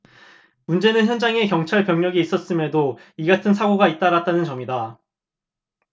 문제는 현장에 경찰병력이 있었음에도 이 같은 사고가 잇따랐다는 점이다